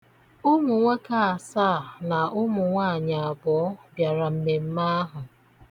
Ụmụ nwoke asaa na ụmụ nwaanyị abụọ bịara mmemme ahụ.